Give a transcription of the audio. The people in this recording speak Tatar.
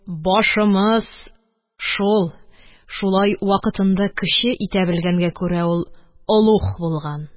– башымыз шул, шулай вакытында кече итә белгәнгә күрә, ул олуг булган.